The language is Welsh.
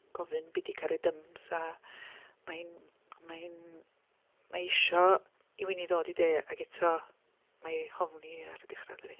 Gofyn be 'di caridyms a ma' hi'n ma' hi'n ma' hi isio i Wini ddod i de ac eto, mae hi ofn hi ar y dechrau dydy.